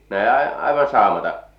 ne jäi aivan saamatta